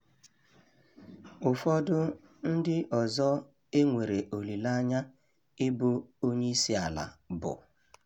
Ụfọdụ ndị ọzọ e nwere olileanya ịbụ onyeisiala bụ :